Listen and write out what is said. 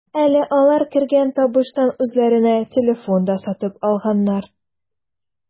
Әле алар кергән табыштан үзләренә телефон да сатып алганнар.